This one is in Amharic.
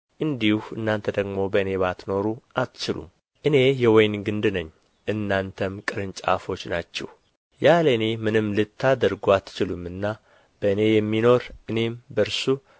እንዲሁ እናንተ ደግሞ በእኔ ባትኖሩ አትችሉም እኔ የወይን ግንድ ነኝ እናንተም ቅርንጫፎች ናችሁ ያለ እኔ ምንም ልታደርጉ አትችሉምና በእኔ የሚኖር እኔም በእርሱ